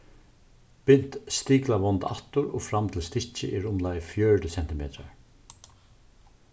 bint stiklavond aftur og fram til stykkið er umleið fjøruti sentimetrar